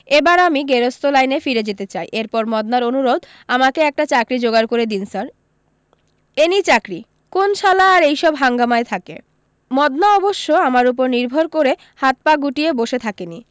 এবার আমি গেরস্থ লাইনে ফিরে যেতে চাই এরপর মদনার অনুরোধ আমাকে একটা চাকরী জোগাড় করে দিন স্যার এনি চাকরী কোন শালা আর এই সব হাঙ্গামায় থাকে মদনা অবশ্য আমার উপর নির্ভর করে হাত পা গুটিয়ে বসে থাকেনি